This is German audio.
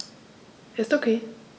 Ist OK.